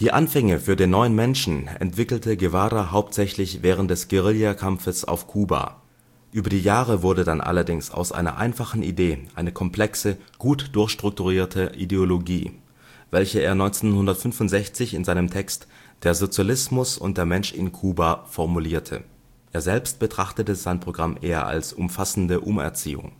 Anfänge für Den neuen Menschen entwickelte Guevara hauptsächlich während des Guerilliakampfes auf Kuba. Über die Jahre wurde dann allerdings aus einer einfachen Idee eine komplexe, gut durchstrukturierte Ideologie, welche er 1965 in seinem Text Der Sozialismus und der Mensch in Kuba formulierte. Er selbst betrachtete sein Programm eher als umfassende Umerziehung